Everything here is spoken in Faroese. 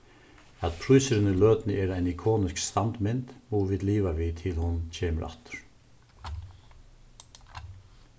at prísurin í løtuni er ein ikonisk standmynd mugu vit liva við til hon kemur aftur